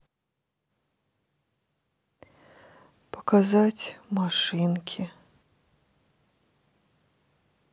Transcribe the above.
показать машинки